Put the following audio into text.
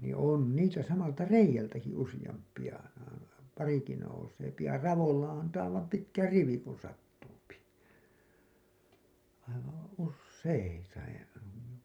niin on niissä samalta reiältäkin useampia parikin nousee ja raolla antaa olla pitkä rivi kun sattuu aivan useita ja